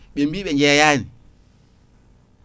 ɓe mbi ɓe jeeyani